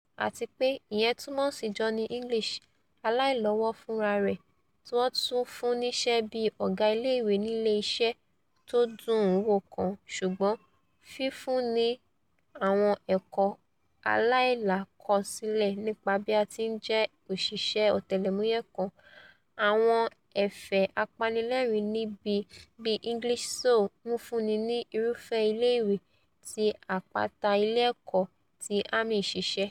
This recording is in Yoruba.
Àtipé ìyẹn túmọ̀ si Johnny English aláìlọ́wọ́ fúnrarẹ̀, tíwọn ti fún níṣẹ́ bíi ọ̀gá ilé ìwé nílé iṣẹ́ tódùn un wò kan, ṣùgbọ́n fífún ni àwọn ẹ̀kọ́ aílàlákọsílẹ̀ nipa bí a ti ńjẹ́ òṣìṣẹ́ ọ̀tẹlẹ̀múyẹ̀ kan: àwọn ẹ̀fẹ̀ apanilẹ́ẹ̀rín níbí, bí English sooe ńfúnni ni irúfẹ́-Ilé-ìwé-ti-Àpáta ilé ẹ̀kọ́ ti amí ṣíṣe.